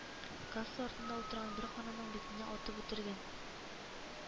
Касса артында утырган бер ханымның битенә атып үтергән